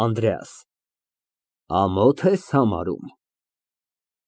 ԱՆԴՐԵԱՍ ֊ Ամո՞թ ես համարում։